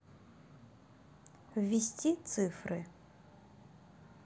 ввести цифры